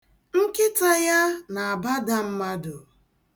Nkịta ya na-abada mmadụ.